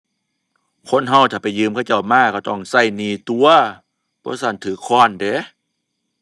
คนเราถ้าไปยืมเขาเจ้ามาเราต้องเราหนี้ตั่ว บ่ซั้นเราค้อนเดะ